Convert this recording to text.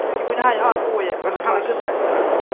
Dwi 'di mwynhau hon fwy... Bod nhw'n rhan o gyfres dyna ti'n feddwl?